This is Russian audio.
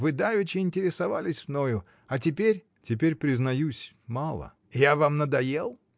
Вы давеча интересовались мною, а теперь. — Теперь, признаюсь, мало. — Я вам надоел?